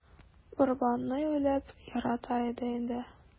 Барабанны үлеп ярата иде инде.